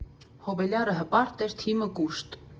Հոբելյարը հպարտ էր, թիմը՝ կուշտ։